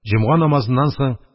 Җомга намазыннан соң